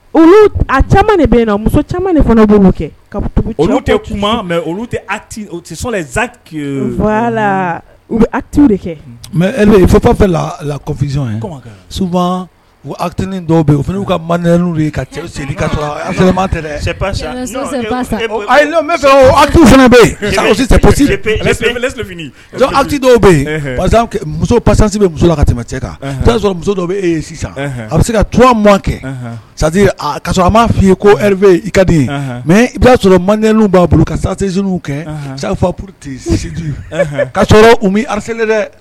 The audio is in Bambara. U bɛ mɛ fɛz sut dɔw bɛ yenu ka bɛ yensi dɔw bɛ yen musosi bɛ la ka tɛmɛ cɛ kana sɔrɔ muso dɔw bɛ e ye sisan a bɛ se ka tu mɔn kɛ sa ka a m ma f'i ye ko i ka di mɛ i'a sɔrɔ man b'a bolo ka satiz kɛ safatesi ka u bɛ z dɛ